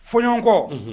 Fɲɔgɔn kɔ